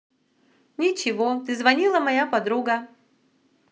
ничего ты звонила моя подруга